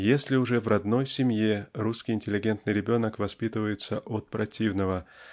Если уже в родной семье русский интеллигентный ребенок воспитывается "от противного"